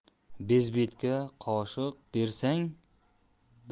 bezbetga qoshiq bersang